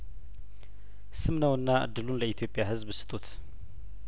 ስም ነውና እድሉን ለኢትዮጵያ ህዝብ ስጡት